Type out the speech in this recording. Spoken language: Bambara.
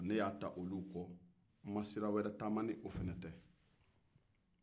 ne y'a ta olu kɔ n ma sira wɛrɛ taama ni o tɛ